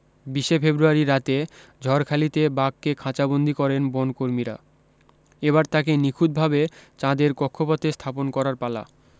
বিশে ফেব্রুয়ারি রাতে ঝড়খালিতে বাঘকে খাঁচাবন্দি করেন বন কর্মীরা এবার তাকে নিখুঁতভাবে চাঁদের কক্ষপথে স্থাপন করার পালা